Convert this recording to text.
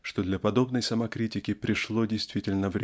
что для подобной самокритики пришло действительно